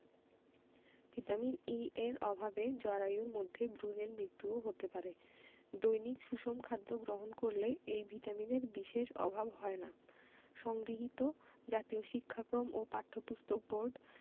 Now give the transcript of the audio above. vitamin E এর অভাবে জরায়ুর মধ্যে ভ্রুনের মৃত্যুও হতে পারে দৈনিক সুষম খাদ্য গ্রহণ করলে এই ভিটামিনের বিশেষ অভাব হয় না সংগৃহীত জাতীয় শিক্ষাক্রম ও পাঠ্যপুস্তক বোর্ড